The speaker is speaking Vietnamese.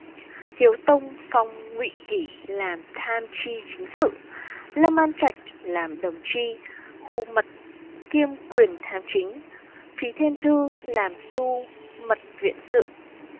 hiếu tông phong ngụy kỉ làm tham tri chính sự lâm an trạch làm đồng tri khu mật kiêm quyền tham chính phí thiêm thư làm xu mật viện sự